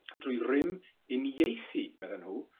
Drwy rym uniaethu medden nhw